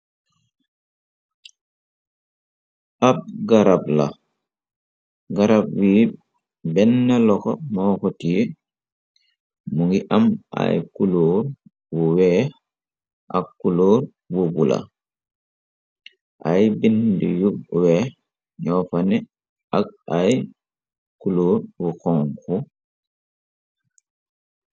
Ab garab la garab wi benna loxo moo xot yi mu ngi am ay kuloor bu weex ak kulóor bubu la ay bind yu weex ñoo fane ak ay kuloor bu konku.